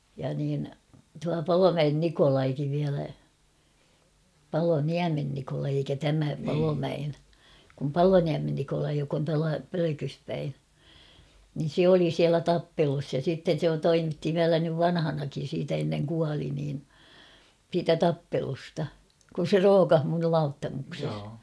ja niin tuo Palomäen Nikolaikin vielä Paloniemen Nikolai eikä tämä Palomäen kun Paloniemen Nikolai joka on tuolla Pölkyssä päin niin se oli siellä tappelussa ja sitten se toimitti vielä nyt vanhanakin siitä ennen kuoli niin siitä tappelusta kun se rookasi minun nyt Lauttamuksessa